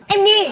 em đi